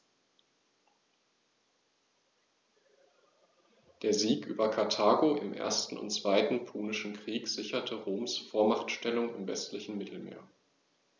Der Sieg über Karthago im 1. und 2. Punischen Krieg sicherte Roms Vormachtstellung im westlichen Mittelmeer.